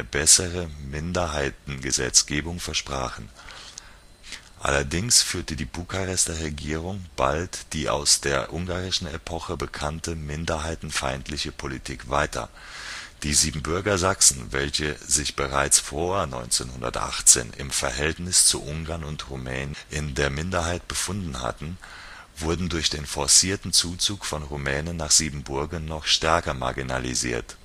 bessere Minderheitengesetzgebung versprachen. Allerdings führte die Bukarester Regierung bald die aus der ungarischen Epoche bekannte minderheitenfeindliche Politik weiter. Die Siebenbürger Sachsen, welche sich bereits vor 1918 im Verhältnis zu Ungarn und Rumänen in der Minderheit befunden hatten, wurden durch den forcierten Zuzug von Rumänen nach Siebenbürgen noch stärker marginalisiert